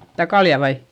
sitä kaljaa vai